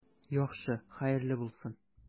Яхшы, хәерле булсын.